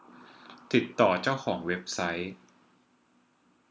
ติดต่อเจ้าของเว็บไซต์